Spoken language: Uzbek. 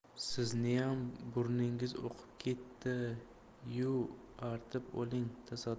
sizniyam burningiz oqib ketdi yu artib oling tasadduq